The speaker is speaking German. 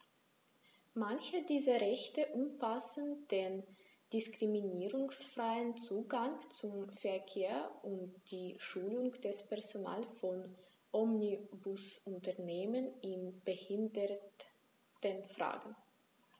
Manche dieser Rechte umfassen den diskriminierungsfreien Zugang zum Verkehr und die Schulung des Personals von Omnibusunternehmen in Behindertenfragen.